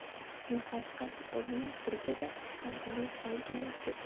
nafasi qaytib o'rnidan turdi da pardani salgina surdi